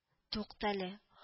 Туктале